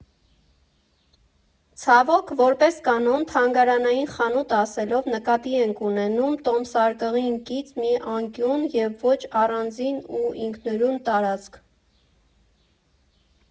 Ցավոք, որպես կանոն, թանգարանային խանութ ասելով՝ նկատի ենք ունենում տոմսարկղին կից մի անկյուն և ոչ առանձին ու ինքնուրույն տարածք։